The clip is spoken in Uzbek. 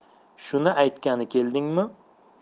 shuni aytgani keldingmi